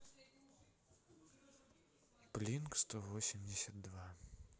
блинк сто восемьдесят два